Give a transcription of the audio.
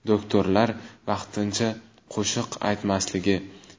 doktorlar vaqtincha qo'shiq aytmasligi